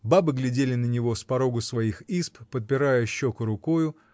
бабы глядели на него с порогу своих изб, подпирая щеку рукою